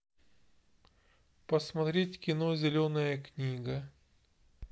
посмотреть кино зеленая книга